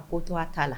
A ko to a t'a la